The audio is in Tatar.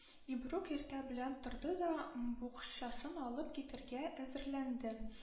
Ибрук иртә белән торды да букчасын алып китәргә әзерләнде